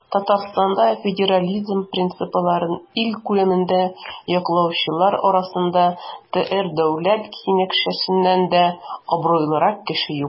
Татарстанда федерализм принципларын ил күләмендә яклаучылар арасында ТР Дәүләт Киңәшчесеннән дә абруйлырак кеше юк.